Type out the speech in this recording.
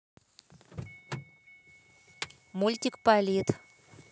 мультик полит